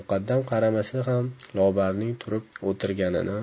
muqaddam qaramasa ham lobarning turib o'tirganini